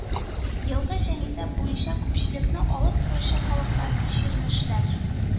Елгы җанисәп буенча күпчелекне алып торучы халыклар: чирмешләр